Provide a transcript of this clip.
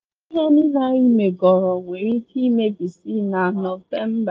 “Ihe niile anyị megoro nwere ike imebisi na Nọvemba.